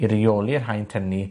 I reoli'r haint hynny,